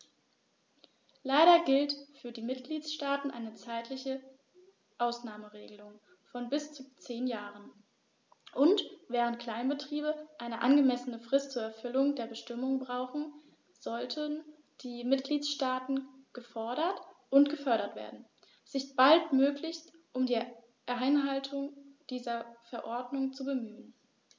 Leider gilt für die Mitgliedstaaten eine zeitliche Ausnahmeregelung von bis zu zehn Jahren, und, während Kleinbetriebe eine angemessene Frist zur Erfüllung der Bestimmungen brauchen, sollten die Mitgliedstaaten gefordert und gefördert werden, sich baldmöglichst um die Einhaltung dieser Verordnung zu bemühen.